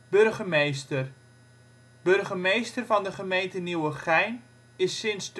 Burgemeester Burgemeester van de gemeente Nieuwegein is sinds